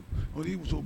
muso